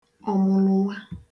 ̀ọmụ̀lụ̀nwa